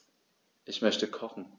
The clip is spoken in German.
Ich möchte kochen.